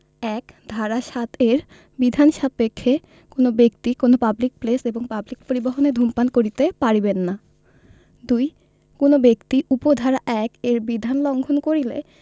১ ধারা ৭ এর বিধান সাপেক্ষে কোন ব্যক্তি কোন পাবলিক প্লেস এবং পাবলিক পরিবহণে ধূমপান করিতে পারিবেন না ২ কোন ব্যক্তি উপ ধারা ১ এর বিধান লংঘন করিলে